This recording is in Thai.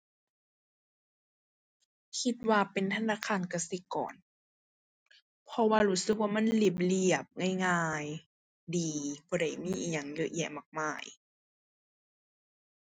คิดว่าเป็นธนาคารกสิกร เพราะว่ารู้สึกว่ามันเรียบเรียบ ง่ายง่าย ดี บ่ได้มีอิหยังเยอะแยะมากมาย